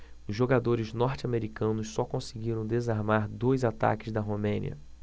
os jogadores norte-americanos só conseguiram desarmar dois ataques da romênia